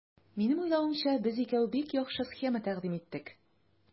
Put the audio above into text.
Минем уйлавымча, без икәү бик яхшы схема тәкъдим иттек.